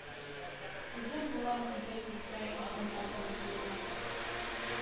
Үзем булам диде күркә исем-атым зуррак